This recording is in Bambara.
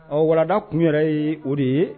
Ɔ walada tun yɛrɛ ye o de ye